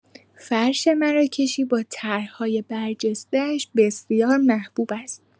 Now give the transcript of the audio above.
فرش مراکشی با طرح‌های برجسته‌اش بسیار محبوب است.